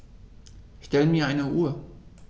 Stell mir eine Uhr.